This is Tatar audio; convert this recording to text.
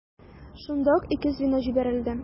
Шунда ук ике звено җибәрелде.